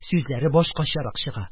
Сүзләре башкачарак чыга.